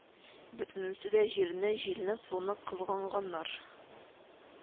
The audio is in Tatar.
Бөтенесе дә җирне, җилне, суны кыз ганганнар